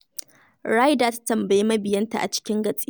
Reyder ta tambayi mabiyanta a cikin gatse.